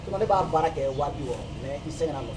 Sinon ne b'a baara kɛ 300000 mais i bɛse ka na a nɔ!